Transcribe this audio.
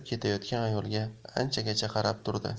ketayotgan ayolga anchagacha qarab turdi